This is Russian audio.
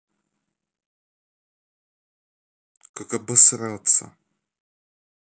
как обосраться